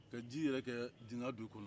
ka ji yɛrɛ kɛ dingɛ dɔw kɔnɔ